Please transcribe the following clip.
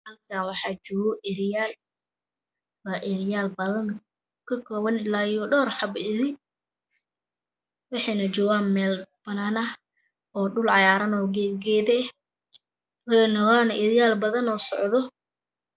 Halkaan waxaa joogo eriyaal waa eriyaal badan o kakoban ilaa iyo dhoowr xabo waxa ayna joogaan meel banaan ah oo dhul cagaaran oo geedo geedo ah waana eriyaal badan oo socdo